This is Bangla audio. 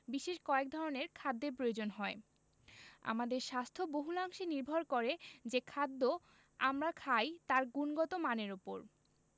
বিশেষ কয়েক ধরনের খাদ্যের প্রয়োজন হয় আমাদের স্বাস্থ্য বহুলাংশে নির্ভর করে যে খাদ্য আমরা খাই তার গুণগত মানের ওপর